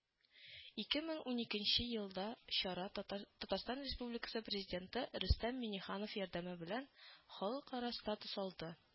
Ике мең уникенче елда чара, Тата Татарстан Республикасы Президенты Рөстәм Миңнеханов ярдәме белән, Халыкара статус алды